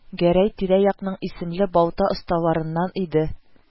Гәрәй тирә-якның исемле балта осталарыннан иде